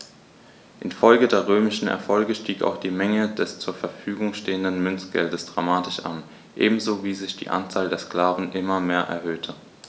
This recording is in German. Infolge der römischen Erfolge stieg auch die Menge des zur Verfügung stehenden Münzgeldes dramatisch an, ebenso wie sich die Anzahl der Sklaven immer mehr erhöhte.